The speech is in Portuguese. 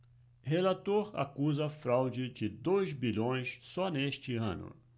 relator acusa fraude de dois bilhões só neste ano